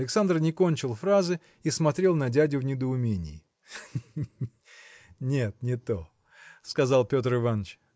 Александр не кончил фразы и смотрел на дядю в недоумении. – Нет, не то! – сказал Петр Иваныч.